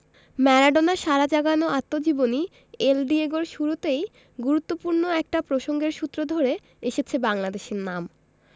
ম্যারাডোনার সাড়া জাগানো আত্মজীবনী এল ডিয়েগো র শুরুতেই গুরুত্বপূর্ণ একটা প্রসঙ্গের সূত্র ধরে এসেছে বাংলাদেশের নাম